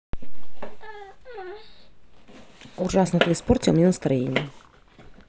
ужасно ты испортила мне настроение